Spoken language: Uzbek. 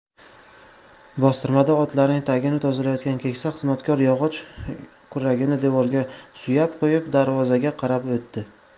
bostirmada otlarning tagini tozalayotgan keksa xizmatkor yog'och kuragini devorga suyab qo'yib darvozaga qarab o'tdi